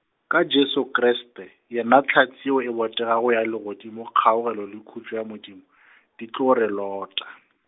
ka Jesu Kriste, yena hlatse ye e botegago ya legodimo kgaogelo le khutšo ya Modimo , di tlo re lota.